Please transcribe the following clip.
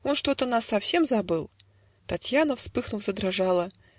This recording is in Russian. - Он что-то нас совсем забыл". Татьяна, вспыхнув, задрожала.